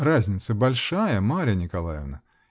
-- Разница большая, Марья Николаевна!